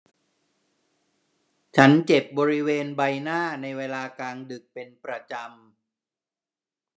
ฉันเจ็บบริเวณใบหน้าในเวลากลางดึกเป็นประจำ